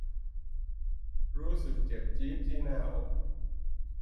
รู้สึกเจ็บจี๊ดที่หน้าอก